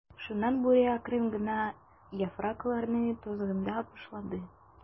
Шуннан Бүре акрын гына яфракларны тузгыта башлады.